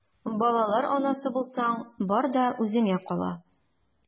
Балалар анасы булсаң, бар да үзеңә кала...